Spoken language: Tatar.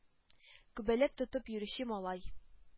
Күбәләк тотып йөрүче малай